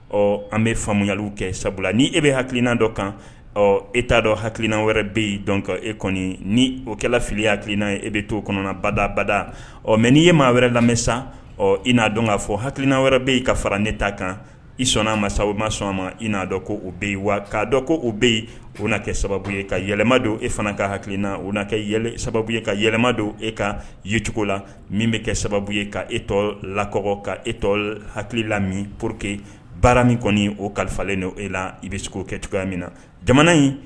Ɔ an bɛ faamuyayali kɛ sabula ni e bɛ hakilina dɔ kan ɔ e t'a dɔn hakilina wɛrɛ bɛ' dɔn ka e kɔni ni okɛla fili hakiina e bɛ to o kɔnɔna badabada ɔ mɛ'i ye maa wɛrɛ lamɛn sa ɔ i n'a dɔn k'a fɔ hakilina wɛrɛ bɛ' ka fara ne t taa kan i sɔn aa ma sa o ma sɔn a ma i n'a dɔn koo bɛyi wa k'a dɔn ko o bɛyi u na kɛ sababu ye ka yɛlɛma don e fana ka hakilikiina u'a kɛ sababu ye ka yɛlɛma don e ka yencogo la min bɛ kɛ sababu ye ka e tɔ lakɔ ka e tɔ hakililami pour que baara min kɔni oo kalifalen don e la i bɛ se k'o kɛ cogoya min na jamana in